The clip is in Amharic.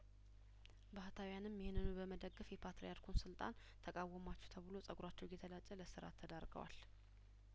ባህታውያንም ይህንኑ በመደገፍ የፓትርያርኩን ስልጣን ተቃወ ማችሁ ተብሎ ጸጉራቸው እየተላጨ ለእስራት ተዳርገዋል